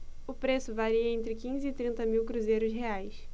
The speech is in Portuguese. o preço varia entre quinze e trinta mil cruzeiros reais